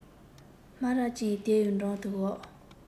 སྨ ར ཅན དེའི འགྲམ དུ བཞག